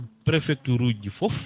préfecture uji ɗi foof